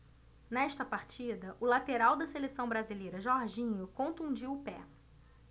nesta partida o lateral da seleção brasileira jorginho contundiu o pé